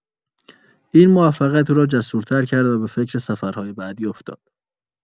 این موفقیت او را جسورتر کرد و به فکر سفرهای بعدی افتاد.